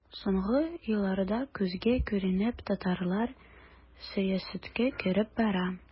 Соңгы елларда күзгә күренеп татарлар сәясәткә кереп бара.